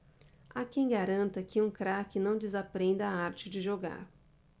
há quem garanta que um craque não desaprende a arte de jogar